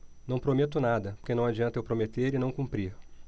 não prometo nada porque não adianta eu prometer e não cumprir